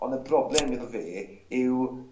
On' y broblem iddo fe yw